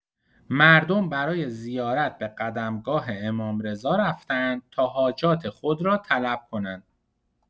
مردم برای زیارت به قدمگاه امام‌رضا رفتند تا حاجات خود را طلب کنند.